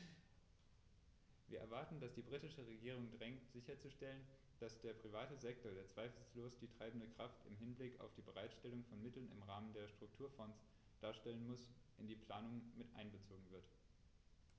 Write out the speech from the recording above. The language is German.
Wir erwarten, dass sie die britische Regierung drängt sicherzustellen, dass der private Sektor, der zweifellos die treibende Kraft im Hinblick auf die Bereitstellung von Mitteln im Rahmen der Strukturfonds darstellen muss, in die Planung einbezogen wird.